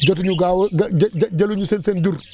jotuñu gaaw a jë jë jëluñu seen seen jur